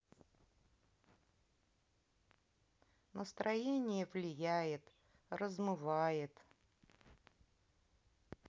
настроение влияет размывает